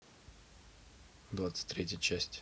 двадцать третья часть